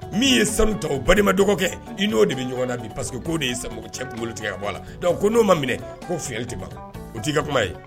Min ye sanu ta o badema dɔgɔkɛ, i n'o de bɛ ɲɔgɔn na bi parce que k'o de ye samɔgɔ cɛ kungolo tigɛ ka bɔ a la, donc k'o n'o ma minɛ ko nsonyɛli tɛ ban. O t'i ka kuma ye.